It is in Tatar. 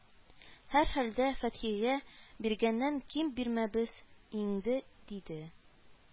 Һәрхәлдә, фәтхигә биргәннән ким бирмәбез иңде, диде